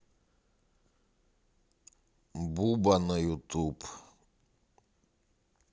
буба на ютуб